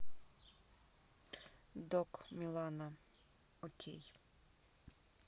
dog милана окей